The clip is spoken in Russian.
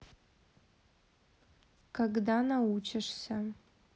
когда научишься